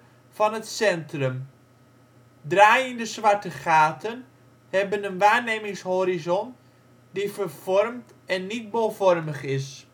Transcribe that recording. van het centrum. Draaiende zwarte gaten hebben een waarnemingshorizon die vervormd en niet bolvormig is